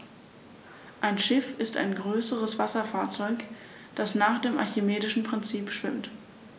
Ein Schiff ist ein größeres Wasserfahrzeug, das nach dem archimedischen Prinzip schwimmt.